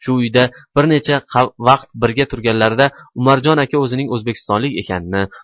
shu uyda bir necha vaqt birga turganlarida umarjon aka o'zining o'zbekistonlik ekanini